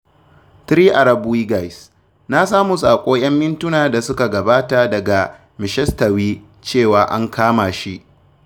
3arabawyGuys, na samu saƙo 'yan mintuna da suka gabata daga @msheshtawy cewa an kama shi.